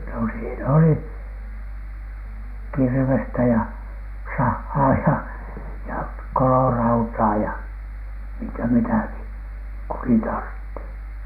no siinä oli kirvestä ja sahaa ja ja kolorautaa ja minkä mitäkin kukin tarvitsi